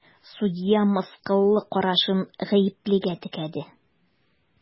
Судья мыскыллы карашын гаеплегә текәде.